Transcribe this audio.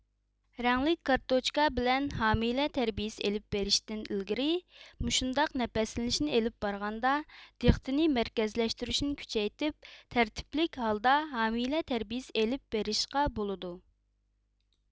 رەڭلىك كارتوچكا بىلەن ھامىلە تەربىيىسى ئېلىپ بېرىشتىن ئىلگىرى مۇشۇنداق نەپەسلىنىشنى ئېلىپ بارغاندا دىققىتىنى مەركەزلەشتۈرۈشنى كۈچەيتىپ تەرتىپلىك ھالدا ھامىلە تەربىيىسى ئېلىپ بېرىشقا بولىدۇ